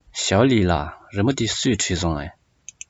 ཞོའོ ལིའི ལགས རི མོ འདི སུས བྲིས སོང ངས